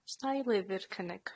O's 'na eilydd i'r cynnig?